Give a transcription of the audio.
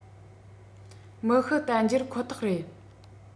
མི ཤི རྟ འགྱེལ ཁོ ཐག རེད